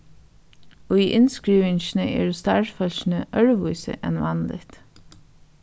í innskrivingini eru starvsfólkini øðrvísi enn vanligt